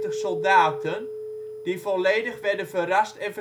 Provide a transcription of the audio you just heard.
soldaten), die volledig werden verrast en